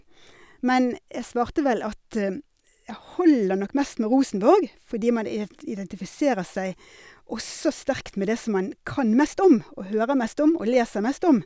Men jeg svarte vel at jeg holder nok mest med Rosenborg, fordi man iet identifiserer seg også sterkt med det som man kan mest om og hører mest om og leser mest om.